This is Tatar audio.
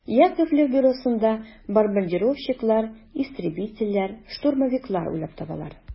Яковлев бюросында бомбардировщиклар, истребительләр, штурмовиклар уйлап табалар.